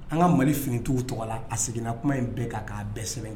An ka Mali finitigiw tɔgɔ la, a seginna kuma in bɛɛ kan k'a bɛɛ sɛbɛn.